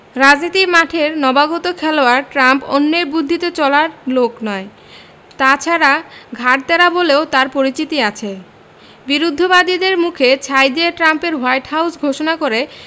রাজনীতির মাঠের নবাগত খেলোয়াড় ট্রাম্প অন্যের বুদ্ধিতে চলার লোক নয় তা ছাড়া ঘাড় ত্যাড়া বলেও তাঁর পরিচিতি আছে বিরুদ্ধবাদীদের মুখে ছাই দিয়ে ট্রাম্পের হোয়াইট হাউস ঘোষণা করে